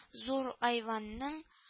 Зур айванның